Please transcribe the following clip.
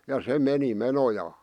ja se meni menojaan